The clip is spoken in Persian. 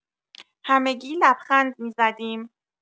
همگی لبخند می‌زدیم.